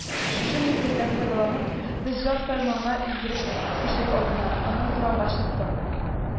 Шушы мизгелдән файдаланып, без җан-фәр-манга йөгереп ишек алдына , аннан урамга чыктык